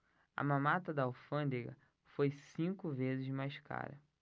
a mamata da alfândega foi cinco vezes mais cara